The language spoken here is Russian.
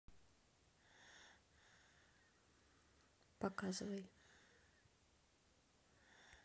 показывай